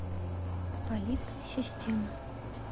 полит систему